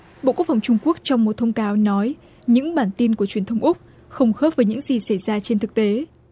bộ quốc phòng trung quốc trong một thông cáo nói những bản tin của truyền thông úc không khớp với những gì xảy ra trên thực tế